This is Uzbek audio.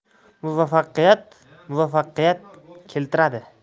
muvaffaqiyat muvaffaqiyat keltiradi